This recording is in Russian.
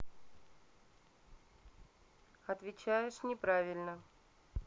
отвечаешь неправильно